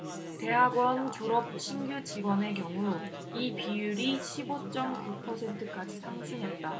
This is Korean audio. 대학원 졸업 신규직원의 경우 이 비율이 십 오 쩜 구 퍼센트까지 상승했다